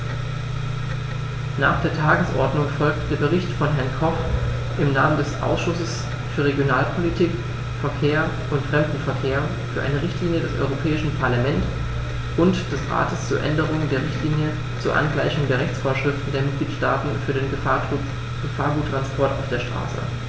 Nach der Tagesordnung folgt der Bericht von Herrn Koch im Namen des Ausschusses für Regionalpolitik, Verkehr und Fremdenverkehr für eine Richtlinie des Europäischen Parlament und des Rates zur Änderung der Richtlinie zur Angleichung der Rechtsvorschriften der Mitgliedstaaten für den Gefahrguttransport auf der Straße.